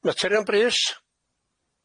Materion brys.